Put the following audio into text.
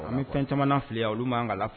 An bɛ fɛn caaman lafiliya olu ma kan ka lafili.